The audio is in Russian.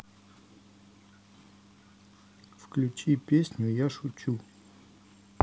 включи песню я шучу